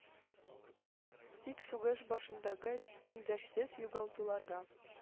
Тик сугыш башындагы тиңдәшсез югалтуларга,